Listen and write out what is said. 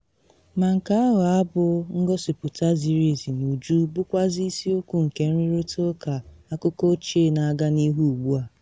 Ma nke ahụ abụ ngosipụta ziri ezi n’uju bụkwazị isiokwu nke nrịrụta ụka akụkọ ochie na aga n’ihu ugbu a.